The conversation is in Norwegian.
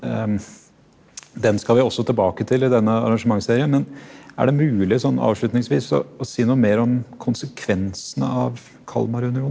den skal vi også tilbake til i denne arrangementsserien men er det mulig sånn avslutningsvis å å si noe mer om konsekvensene av Kalmarunionen.